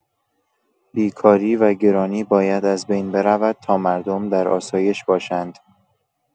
بیکاری و گرانی باید از بین برود تا مردم در آسایش باشند.